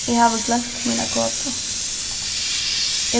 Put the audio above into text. eg havi gloymt mína kodu